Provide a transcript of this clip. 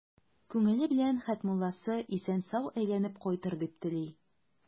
Күңеле белән Хәтмулласы исән-сау әйләнеп кайтыр дип тели.